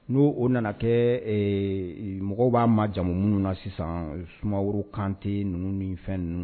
No o nana kɛ ɛmɔgɔw b'an majamu minnu na sisan sumaworo kante ninnu ni fɛn ninnu